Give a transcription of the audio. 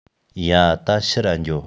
ཡ ད ཕྱིར ར འགྱོ